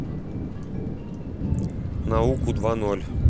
науку два ноль